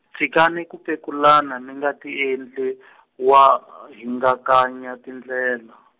tshikani ku pekulana mi nga tiendli , wa hingakanya tindlela.